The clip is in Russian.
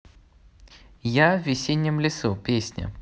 я в весеннем лесу песня